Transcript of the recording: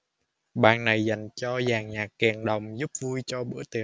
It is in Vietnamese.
bàn này dành cho dàn nhạc kèn đồng giúp vui cho bữa tiệc